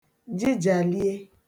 jịjàlie